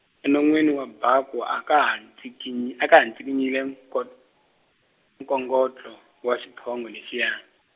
enonweni wa baku a ka ha ncikinyi-, aka ha ncikinyile nko-, nkongotlo wa xiphongo lexiya.